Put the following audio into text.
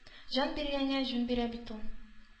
Җан биргәнгә җүн бирә бит ул.